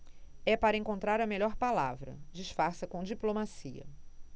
é para encontrar a melhor palavra disfarça com diplomacia